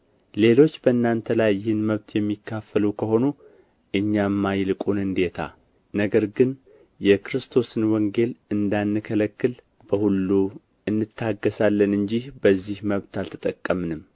ሌሎች በእናንተ ላይ ይህን መብት የሚካፈሉ ከሆኑ እኛማ ይልቁን እንዴታ ነገር ግን የክርስቶስን ወንጌል እንዳንከለክል በሁሉ እንታገሣለን እንጂ በዚህ መብት አልተጠቀምንም